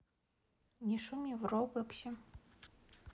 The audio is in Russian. не шуми в роблоксе